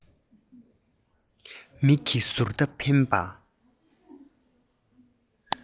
མིག གི ཟུར མདའ འཕེན པ